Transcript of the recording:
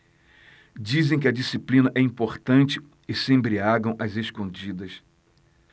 dizem que a disciplina é importante e se embriagam às escondidas